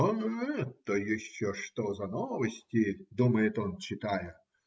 "А это еще что за новости?" - думает он, читая